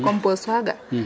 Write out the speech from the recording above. compos faaga ;